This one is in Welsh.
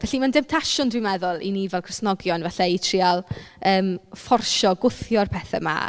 Felly mae'n demtasiwn dwi'n meddwl, i ni fel Cristnogion falle i treial yym fforsio, gwthio'r pethau yma.